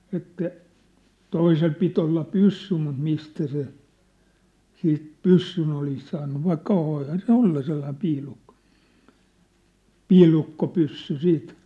että toisella piti olla pyssy mutta mistä se siitä pyssyn olisi saanut vaikka voihan se olla sellainen piilukko piilukkopyssy sitten